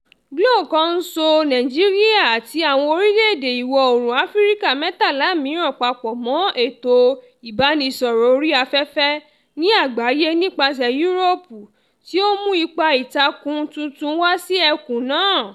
GLO-1 ń so Nigeria àti àwọn orílẹ̀-èdè Ìwọ̀-oòrùn Áfíríkà 13 mìíràn papọ̀ mọ́ ètò ìbánisọ̀rọ̀ orí afẹ́fẹ́ ní àgbáyé nípasẹ̀ Europe, tí ó ń mú ipá-ìtakùn tuntun wá sí ẹkùn náà.